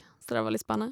Så det var litt spennende.